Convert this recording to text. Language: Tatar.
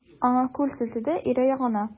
Ана кул селтәде ире ягына.